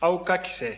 aw ka kisɛ